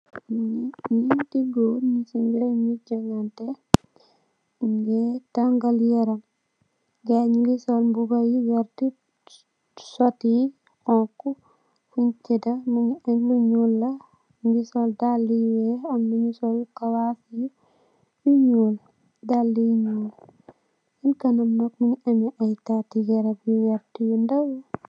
Lee nyante goor gaye nugse meremu juganteh nuge tangal yaram gaye nuge sol muba yu werte sote xonxo fum teda muge am lu nuul la muge sol dalle yu weex amna nu sol kawass yu nuul dalle yu ñuul se kanam nak muge ameh tate garab yu werte yu ndaw.